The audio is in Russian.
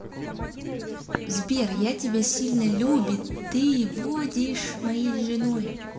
сбер я тебя сильно любит ты водишь моей женой